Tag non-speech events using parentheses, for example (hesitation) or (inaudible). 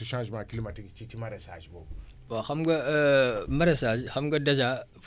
waa xam nga (hesitation) maraichage xam nga dèjà foofu (noise) du ndoxu taw